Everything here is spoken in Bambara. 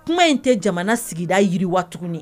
Kuma in tɛ jamana sigida yiri watuni